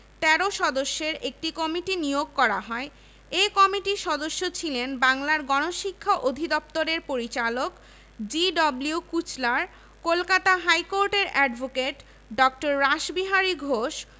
১৩ সদস্যের একটি কমিটি নিয়োগ করা হয় এ কমিটির সদস্য ছিলেন বাংলার গণশিক্ষা অধিদপ্তরের পরিচালক জি.ডব্লিউ কুচলার কলকাতা হাইকোর্টের অ্যাডভোকেট ড. রাসবিহারী ঘোষ